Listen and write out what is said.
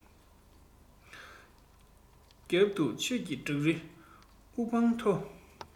རྒྱབ ཏུ ཆོས ཀྱི བྲག རི དབུ འཕང མཐོ